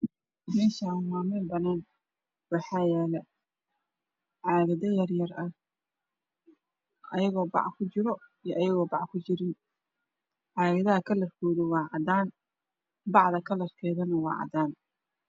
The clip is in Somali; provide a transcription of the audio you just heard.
Meeshaan waa meel banaan waxaa yaala caagado yaryar ah. ayagoo bac kujiro iyo ayagoo bac kujirin, caagadaha kalarkooduna waa cadaan bacda kalarkeeduna waa cadaan.